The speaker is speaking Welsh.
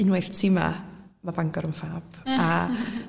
unwaith ti 'ma ma' Bangor yn ffab a